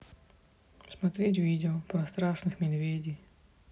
смотреть видео про страшных медведей